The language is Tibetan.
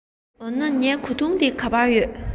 འོ ན ངའི གོས ཐུང དེ ག པར ཡོད